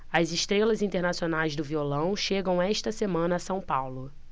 as estrelas internacionais do violão chegam esta semana a são paulo